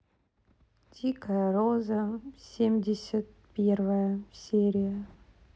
дикая роза семьдесят первая серия